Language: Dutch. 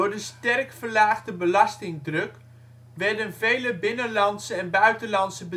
de sterk verlaagde belastingdruk werden vele binnenlandse en buitenlandse